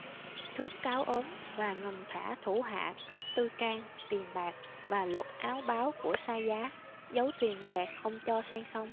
thước cáo ốm và ngầm thả thủ hạ cướp tư trang tiền bạc và lột áo báo của xa giá giấu thuyền bè không cho sang sông